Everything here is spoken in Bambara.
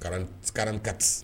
Ka kati